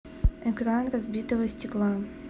экран разбитого стекла